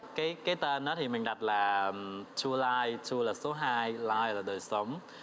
cái cái tên ớ thì mình đặt là tru lai tru là số hai lai là đời sống